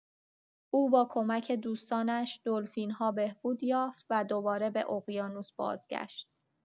او با کمک دوستانش، دلفین‌ها، بهبود یافت و دوباره به اقیانوس بازگشت.